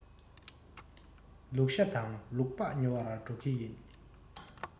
ལུག ཤ དང ལུག ལྤགས ཉོ བར འགྲོ གི ཡིན